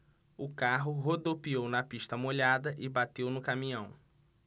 o carro rodopiou na pista molhada e bateu no caminhão